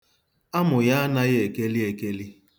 Amụ ya anaghị ekeli ekeli.